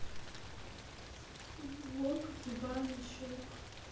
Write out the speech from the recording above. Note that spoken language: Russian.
волк зубами щелк